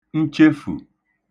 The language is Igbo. nchefù